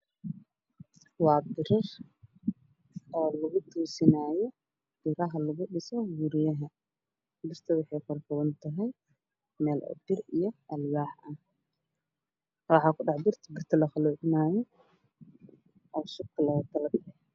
Waa birir oo lgu toosinaayo biraha lagu dhiso guryaha birta waxay kor tubantahay Mel bir iyo alwax ah waxa ku dhex jirto birta la qalocinayo oo shubka loga tala galy